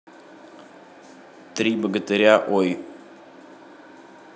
три богатыря ой